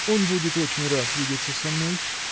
Он будет очень рад видеться со мной.